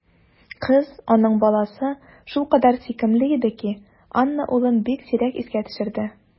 Кыз, аның баласы, шулкадәр сөйкемле иде ки, Анна улын бик сирәк искә төшерде.